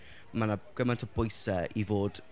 Mae 'na gymaint o bwysau i fod...